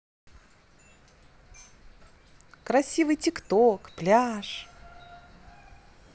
красивый тик ток пляж